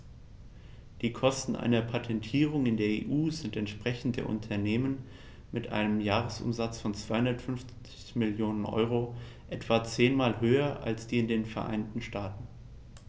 Die Kosten einer Patentierung in der EU sind, entsprechend der Unternehmen mit einem Jahresumsatz von 250 Mio. EUR, etwa zehnmal höher als in den Vereinigten Staaten.